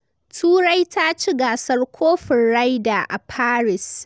Turai taci gasar kofin Ryder a Paris